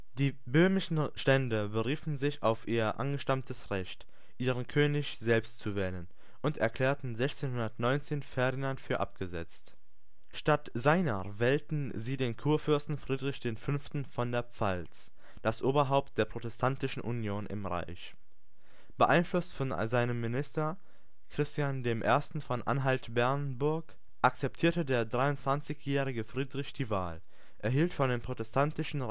Die böhmischen Stände beriefen sich auf ihr angestammtes Recht, ihren König selbst zu wählen, und erklärten 1619 Ferdinand für abgesetzt. Statt seiner wählten sie den Kurfürsten Friedrich V. von der Pfalz, das Oberhaupt der Protestantischen Union im Reich. Beeinflusst von seinem Minister, Christian I. von Anhalt-Bernburg, akzeptierte der 23jährige Friedrich die Wahl, erhielt von den protestantischen